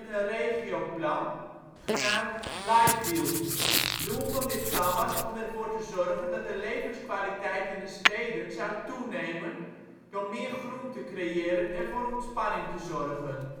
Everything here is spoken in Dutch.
regioplan, genaamd Leitbild. Doel van dit plan was om ervoor te zorgen dat de levenskwaliteit in de steden zou toenemen door meer groen te creëren en voor ontspanning te zorgen